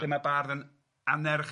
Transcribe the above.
...lle mae bardd yn anerch,